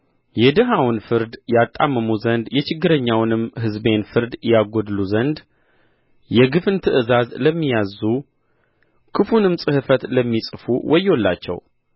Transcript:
የድሀውን ፍርድ ያጣምሙ ዘንድ የችግረኛውንም ሕዝቤን ፍርድ ያጐድሉ ዘንድ የግፍን ትእዛዛት ለሚያዝዙ ክፉንም ጽሕፈት ለሚጽፉ ወዮላቸው